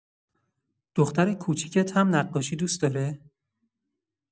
دختر کوچیکت هم نقاشی دوست داره؟